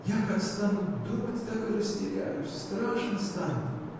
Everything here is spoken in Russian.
Я как стану думать, так и растеряюсь: страшно станет.